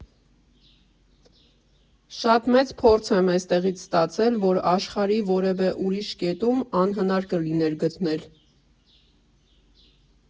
Շատ մեծ փորձ եմ էստեղից ստացել, որը աշխարհի որևէ ուրիշ կետում անհնար կլիներ գտնել։